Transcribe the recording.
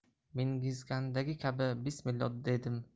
mingizgandagi kabi bismillo dedim